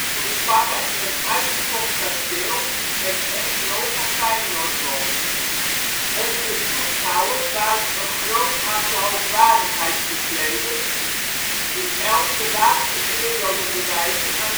toen Sparta in een uitverkocht Kasteel met 1-0 van Feyenoord won. Onder de toeschouwers waren een groot aantal hoogwaardigheidsbekleders, die elk de laatste eer wilden bewijzen aan het